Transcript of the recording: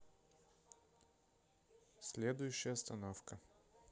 следующая остановка